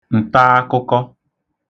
ǹtaakụkọ